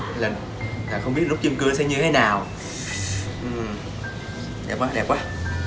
là là không biết nút kim cương nó sẽ như thế nào xì ừ đẹp quá đẹp quá